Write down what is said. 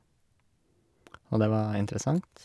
Og det var interessant.